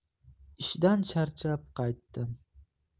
ishdan charchab qaytdim